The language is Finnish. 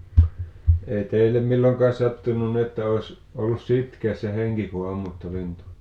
ei teille milloinkaan sattunut niin että olisi ollut sitkeässä henki kun ammutte lintua